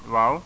waaw